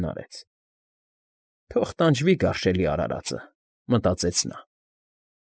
Հնարեց։ «Թող տանջվի գարշելի արարածը»,֊ մտածեց նա։